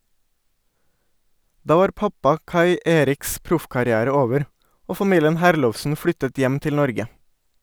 Da var pappa Kai Eriks proffkarriere over, og familien Herlovsen flyttet hjem til Norge.